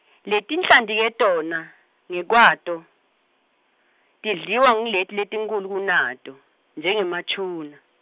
Letinhlanti ke tona, ngekwato, tidliwa nguleto letinkhulu kunato, njengemaTuna.